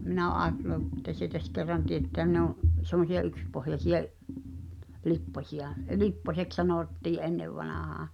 minä olen ajatellut että sietäisi kerran teettää ne on semmoisia yksipohjaisia lipposia lipposeksi sanottiin ennen vanhaan